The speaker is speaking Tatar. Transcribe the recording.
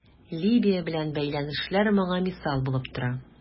Либия белән бәйләнешләр моңа мисал булып тора.